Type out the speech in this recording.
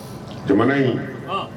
Jamana in, an